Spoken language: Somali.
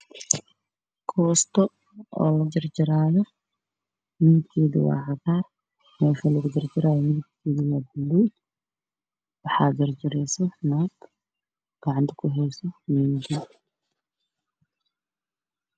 Koosto la jaraayo midabkedu waa cagar mesha lagu jarayo midabkedu waa madow waxa jaraysa naag gacanta ku haysa mindi